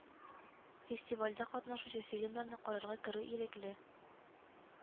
Фестивальдә катнашучы фильмнарны карарга керү ирекле